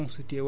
dëgg la